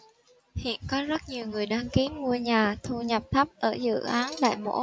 hiện có rất nhiều người đăng ký mua nhà thu nhập thấp ở dự án đại mỗ